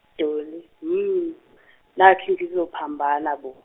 Dolly mmm nakhu ngizophambana bo.